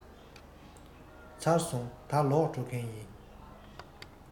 ཚར སོང ད ལོག འགྲོ མཁན ཡིན